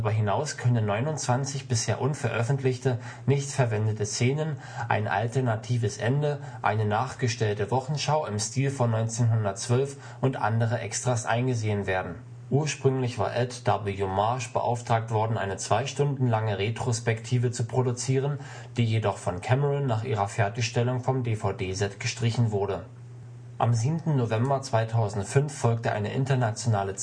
hinaus können 29 bisher unveröffentlichte, nicht verwendete Szenen, ein alternatives Ende, eine nachgestellte Wochenschau im Stil von 1912 und andere Extras eingesehen werden. Ursprünglich war Ed W. Marsh beauftragt worden, eine zwei Stunden lange Retrospektive zu produzieren, die jedoch von Cameron nach ihrer Fertigstellung vom DVD-Set gestrichen wurde. Am 7. November 2005 folgte eine internationale